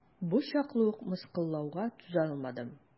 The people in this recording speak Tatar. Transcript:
Бу чаклы ук мыскыллауга түзалмадым.